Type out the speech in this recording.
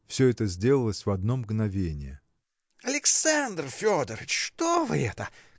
Все это сделалось в одно мгновение. – Александр Федорыч! что вы это?